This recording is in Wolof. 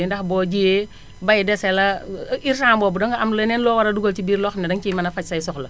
ndax boo jiwee bay dese la instant boobu danga am leneen loo war a dugal ci biir loo xam ne danga ciy mën a faj say soxla